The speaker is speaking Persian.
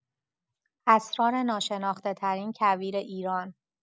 اسرار ناشناخته‌ترین کویر ایران